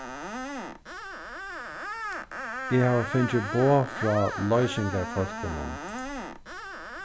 eg havi fingið boð frá loysingarfólkunum